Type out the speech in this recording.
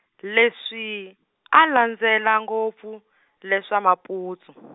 leswi, a landzelela ngopfu, leswa maputsu.